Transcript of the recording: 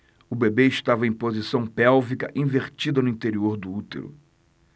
o bebê estava em posição pélvica invertida no interior do útero